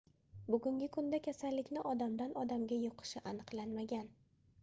bugungi kunda kasallikni odamdan odamga yuqishi aniqlanmagan